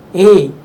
H